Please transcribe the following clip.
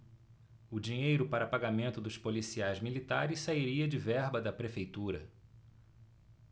o dinheiro para pagamento dos policiais militares sairia de verba da prefeitura